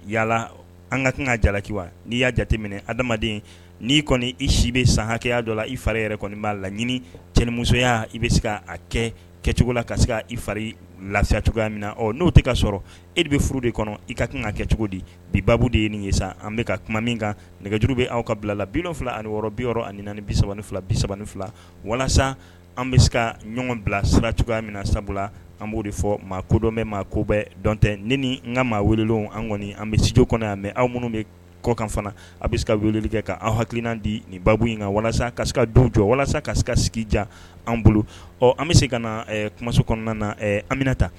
Yalala an ka kan ka jalaki wa n'i y'a jateminɛ adamadamaden n'i kɔni i si bɛ san hakɛya dɔ i fari yɛrɛ kɔni b'a laɲini cɛmusoya i bɛ se ka kɛ kɛcogo la ka se ka i fari laya cogoyaya min na n'o tɛ ka sɔrɔ e de bɛ furu de kɔnɔ i ka kan ka kɛcogo di bi ba de ye nin ye sa an bɛka ka kuma min kan nɛgɛjuru bɛ' ka bila la bi fila ani wɔɔrɔ bi yɔrɔ ani ni ni bisa fila bisaban fila walasa an bɛ se ka ɲɔgɔn bila sira cogoya min sabula an b'o de fɔ maa kodɔn bɛ maa ko bɛɛ dɔn tɛ ni n ka maa wele an kɔni an bɛ sij kɔnɔ yan mɛ aw minnu bɛ kɔkan fana a bɛ se ka wele kɛ ka aw hakilikilnan di nin ba in kan walasa ka se ka du jɔ walasa ka se sigi jan an bolo ɔ an bɛ se ka na kumaso kɔnɔna na anminata